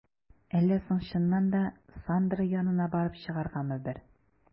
Әллә соң чыннан да, Сандра янына барып чыгаргамы бер?